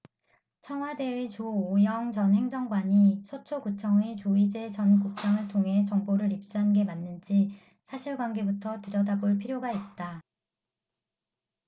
청와대의 조오영 전 행정관이 서초구청의 조이제 전 국장을 통해 정보를 입수한 게 맞는지 사실관계부터 들여다볼 필요가 있다